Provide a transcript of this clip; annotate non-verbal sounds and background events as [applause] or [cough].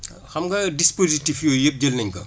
[smacks lips] xam nga dispositif yooyu yëpp jël nañ ko